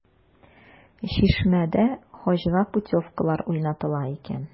“чишмә”дә хаҗга путевкалар уйнатыла икән.